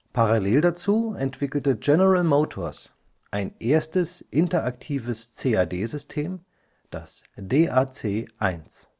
Parallel dazu entwickelte General Motors ein erstes interaktives CAD-System, das DAC-1